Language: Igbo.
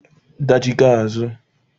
dàchigha azụ